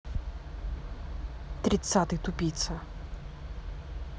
тридцатый тупица